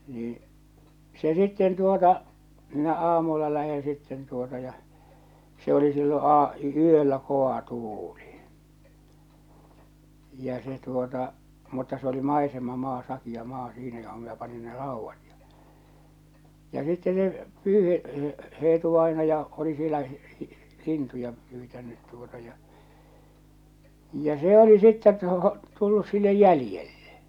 niin se sitten tuota minä aamulla lähden sitten tuota ja se oli silloin - yöllä kova tuuli ja se tuota mutta se oli maisemamaa sakea maa siinä johon minä panin ne raudat ja ja sitten ne - Eetu-vainaja oli siellä lintuja pyytänyt tuota ja ja se oli sitten - tullut sille jäljelle